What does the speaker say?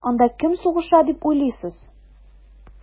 Анда кем сугыша дип уйлыйсыз?